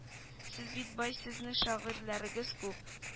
Сез бит бай сезнең шагыйрьләрегез күп